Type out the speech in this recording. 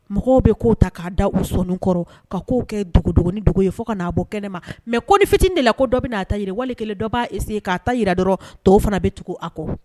Mɔgɔw bɛ kow ta k'a da u sɔni kɔrɔ ka kow kɛ dogodogo ni dogo ye fɔ ka n'a bɔ kɛnɛ ma mais ko konin ficiini de la dɔ bɛna a ta jira wali kelen dɔ b'a essayer ka ta jira dɔrɔn tɔw fana bɛ tugu a kɔ.